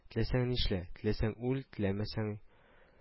Теләсәң нишлә: теләсәң — үл, теләмәсәң